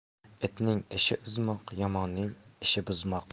itning ishi uzmoq yomonning ishi buzmoq